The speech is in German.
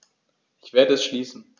Ich werde es schließen.